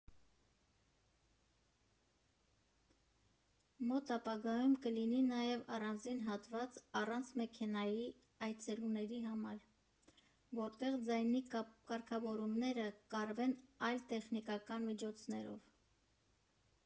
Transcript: Մոտ ապագայում կլինի նաև առանձին հատված առանց մեքենայի այցելուների համար, որտեղ ձայնի կարգավորումները կարվեն այլ տեխնիկական միջոցներով։